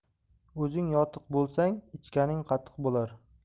o'zing yotiq bo'lsang ichganing qatiq bo'lar